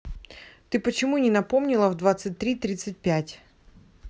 ты почему не напомнила в двадцать три тридцать пять